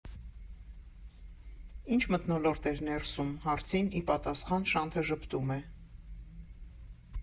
«Ի՞նչ մթնոլորտ էր ներսում» հարցին ի պատասխան Շանթը ժպտում է.